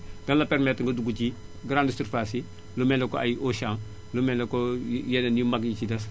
dina la permettre nga dugg ci grandes surfaces yi lu mel ne que ay ay Auchan lu mel ne que yeneen yu mag yi ci des